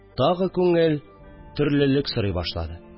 Тагы күңел төрлелек сорый башлады